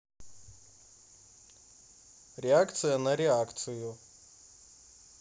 реакция на реакцию